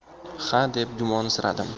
xa deb gumonsiradim